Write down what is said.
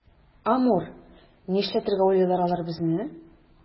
Амур, нишләтергә уйлыйлар алар безне?